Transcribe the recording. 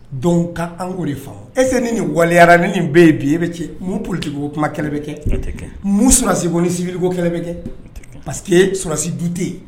Dɔnku ka an ko de fa ese ni ni waleliyarara ni nin bɛ ye bi e bɛ cɛ mu poliki ko kuma kɛlɛ bɛ kɛ mu susi ko ni sibiriko kɛlɛ bɛ kɛ parceseke sulasi dute yen